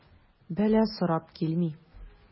Бәла сорап килми.